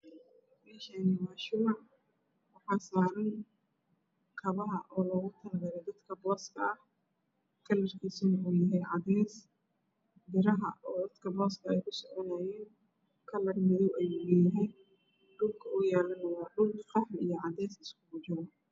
Meeshani waa shimac waxaa saaran kabaha kalarkiisu uu yahay cadaysi biraha ay dad kusoconayen dhulka uu yaalo waa dhul qaxwi iyo cadaysi aha isugu jiro